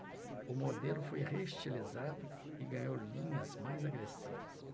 o modelo foi reestilizado e ganhou linhas mais agressivas